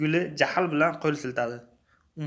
guli jahl bilan qo'l siltadi